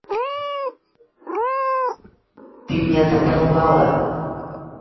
ты меня задолбала